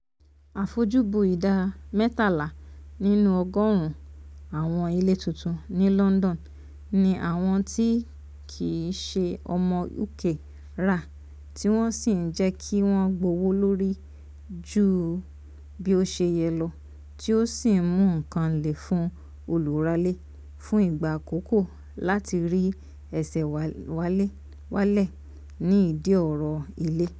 Àfojúbù ìdá 13 nínú ọgọ́rùn ún àwọn ilé tuntun ní London ní àwọn tí kìíṣe ọmọ UK rà, tí wọ́n sì ń jẹ́ kí wọ́n gbówó lórí ju bí ó ṣe yẹ lọ tí ó sì ń mú nǹkan le fún olùralé fún ìgbà àkọ̀kọ̀ láti rí ẹsẹ̀ walẹ̀ ní ìdí ọ̀rọ̀ ilé.